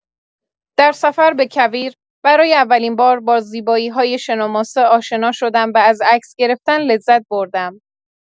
در سفر به کویر، برای اولین بار با زیبایی‌های شن و ماسه آشنا شدم و از عکس‌گرفتن لذت بردم.